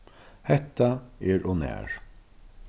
hatta er ov nær